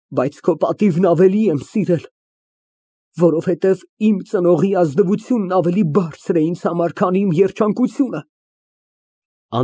Բայց քո պատիվն ավելի եմ սիրել, որովհետև իմ ծնողի ազնվությունն ավելի բարձր է ինձ համար, քան իմ երջանկությունը։